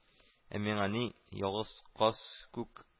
Ә миңа ни, ялгыз каз күк